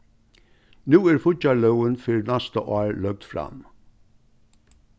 nú er fíggjarlógin fyri næsta ár løgd fram